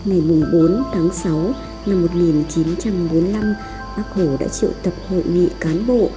ngày mùng tháng năm bác hồ đã triệu tập hội nghị cán bộ